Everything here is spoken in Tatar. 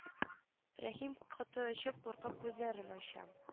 Рәхим коты очып куркып күзләрен ача